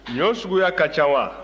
ɲɔ suguya ka ca wa